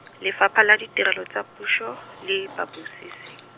Lefapha la Ditirelo tsa Puso, le Bobusisi.